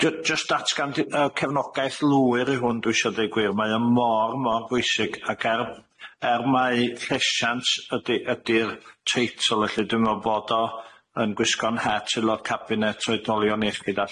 J- jyst atgan yy cefnogaeth lwyr i hwn dwi isio deud gwir mae o mor mor bwysig ac er er mai llesiant ydi ydi'r teitl felly dwi'n me'wl bod o yn gwisgo'n het aelod cabinet oedolion gyda